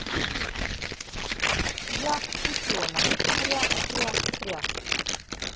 я утенок кря кря кря